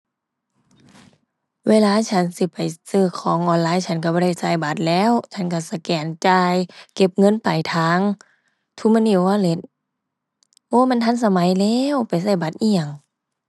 เวลาฉันสิไปซื้อของออนไลน์ ฉันก็บ่ได้จ่ายบัตรแหล้ว ฉันก็สแกนจ่าย เก็บเงินปลายทาง TrueMoney Wallet โอ้ มันทันสมัยแล้วไปก็บัตรอิหยัง